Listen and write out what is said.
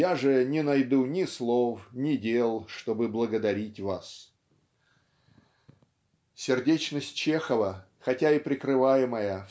я же не найду ни слов, ни дел, чтобы благодарить Вас". Сердечность Чехова хотя и прикрываемая